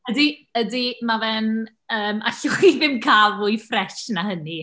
Ydi ydi, mae fe'n... yym, allwch chi ddim cael fwy ffres na hynny.